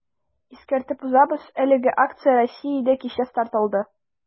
Искәртеп узабыз, әлеге акция Россиядә кичә старт алды.